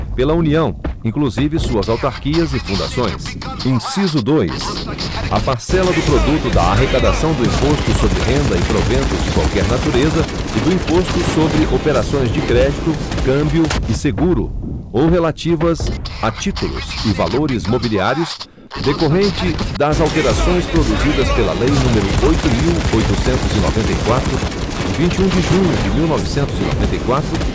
pela união inclusive suas autarquias e fundações inciso dois a parcela do produto da arrecadação do imposto sobre renda e proventos de qualquer natureza e do imposto sobre operações de crédito câmbio e seguro ou relativas a títulos e valores mobiliários decorrente das alterações produzidas pela lei número oito mil oitocentos e noventa e quatro de vinte e um de junho de mil e novecentos e noventa e quatro